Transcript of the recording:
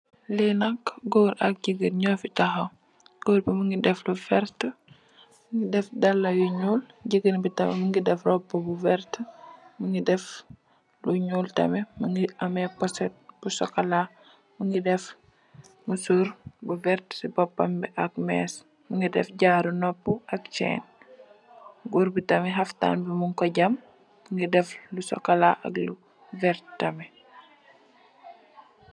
Lii nak, Goor ak jigéen ñu fi taxaw, Goor gi mu ngi def lu werta, sol dallë yu ñuul, jigéen bi mu ngi def roobu bu werta, mu ndi def lu ñuul tamit. Mu ngi amee poset vu sokolaa, mu ngi def musoor bu werta si boopam bi, ak méés, mu ngi def jaaru noopu. Goor bi tam xaftaan bi ñung ko jam, mu ngi def lu sokolaa ak lu werta tamit.